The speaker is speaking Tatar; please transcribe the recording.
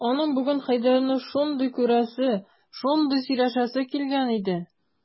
Аның бүген Хәйдәрне шундый күрәсе, шундый сөйләшәсе килгән иде...